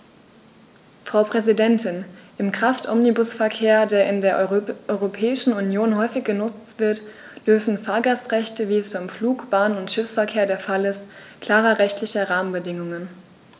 Frau Präsidentin, im Kraftomnibusverkehr, der in der Europäischen Union häufig genutzt wird, bedürfen Fahrgastrechte, wie es beim Flug-, Bahn- und Schiffsverkehr der Fall ist, klarer rechtlicher Rahmenbedingungen.